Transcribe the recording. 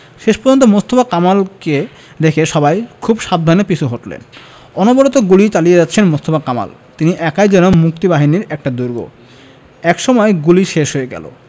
শেষ পর্যন্ত মোস্তফা কামালকে রেখে সবাই খুব সাবধানে পিছু হটলেন অনবরত গুলি চালিয়ে যাচ্ছেন মোস্তফা কামাল তিনি একাই যেন মুক্তিবাহিনীর একটা দুর্গ একসময় গুলি শেষ হয়ে গেল